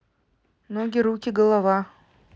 ноги руки голова